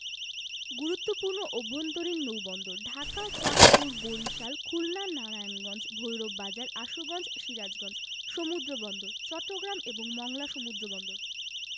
গুরুত্বপূর্ণ অভ্যন্তরীণ নৌবন্দরঃ ঢাকা চাঁদপুর বরিশাল খুলনা নারায়ণগঞ্জ ভৈরব বাজার আশুগঞ্জ সিরাজগঞ্জ সমুদ্রবন্দরঃ চট্টগ্রাম এবং মংলা সমুদ্রবন্দর